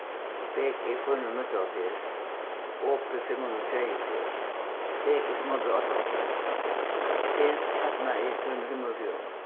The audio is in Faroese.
b g fýra hundrað og níggjuoghálvfjerðs o p fimm hundrað og sjeyogtrýss t g fimm hundrað og áttaoghálvfjerðs t y trý hundrað og fimmogfjøruti